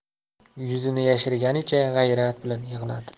yuzini yashirganicha g'ayrat bilan yig'ladi